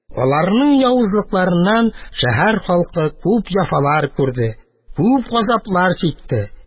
Аларның явызлыкларыннан шәһәр халкы күп җәфалар күрде, күп газаплар чикте.